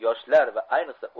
yoshlar va ayniqsa